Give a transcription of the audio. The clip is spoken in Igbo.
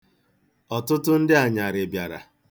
Ọtụtụ ndị anyarị bịara.